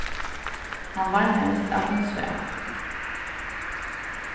hann varnaðist at hon svav